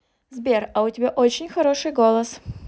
сбер а у тебя очень хороший голос